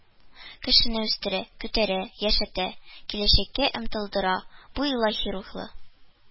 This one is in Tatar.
Кешене үстерә, күтәрә, яшәтә, киләчәккә омтылдыра, бу – илаһи рухлы